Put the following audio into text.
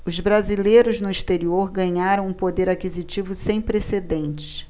os brasileiros no exterior ganharam um poder aquisitivo sem precedentes